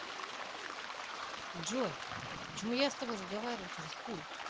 джой почему я с тобой разговариваю через пульт